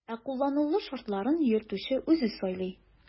Ә кулланылу шартларын йөртүче үзе сайлый.